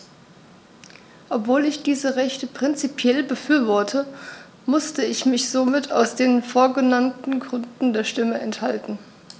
Obwohl ich diese Rechte prinzipiell befürworte, musste ich mich somit aus den vorgenannten Gründen der Stimme enthalten.